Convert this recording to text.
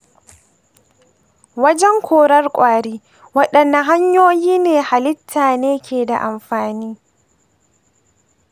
wajen korar kwari, waɗanne hanyoyi na halitta ne ke da amfani?